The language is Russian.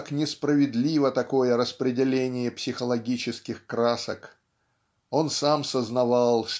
как несправедливо такое распределение психологических красок он сам сознавал